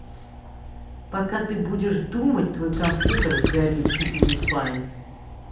пока ты будешь думать твой компьютер сгорит тебе не fine